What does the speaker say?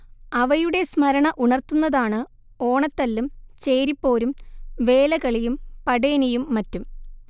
അവയുടെ സ്മരണ ഉണർത്തുന്നതാണ് ഓണത്തല്ലും ചേരിപ്പോരും വേലകളിയും പടേനിയും മറ്റും